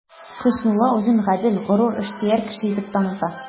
Хөснулла үзен гадел, горур, эшсөяр кеше итеп таныта.